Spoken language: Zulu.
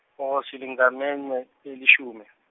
oh seligamengxe eleshumi.